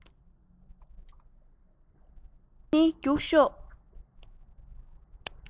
འགྲོགས མཁན ནི རྒྱུགས ཤོག